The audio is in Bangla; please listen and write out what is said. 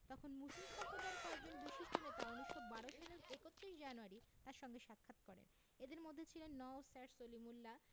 তখন মুসলিম সম্প্রদায়ের কয়েকজন বিশিষ্ট নেতা ১৯১২ সালের ৩১ জানুয়ারি তাঁর সঙ্গে সাক্ষাৎ করেন এঁদের মধ্যে ছিলেন নওয়াব স্যার সলিমুল্লাহ